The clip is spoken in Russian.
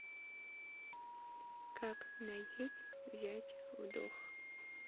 как наеть взять вдох